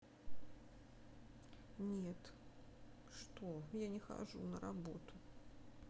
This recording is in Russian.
нет что я не хожу на работу